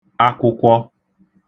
akwụkwọ